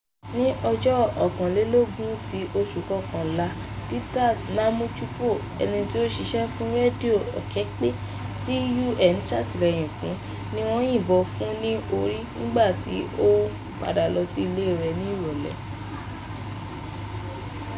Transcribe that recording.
Ní ọjọ́ 21 ti oṣù Kọkànlá Didace Namujimbo, ẹni tí ó ṣiṣẹ́ fún Radio Okapi tí UN ṣàtìlẹ́yìn fún, ní wọ́n yin ìbọn fún ní orí nígbà tí ó ń padà lọ sí ilé rẹ̀ ní ìrọ̀lẹ́.